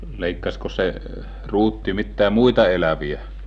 leikkasikos se Ruutti mitään muita eläviä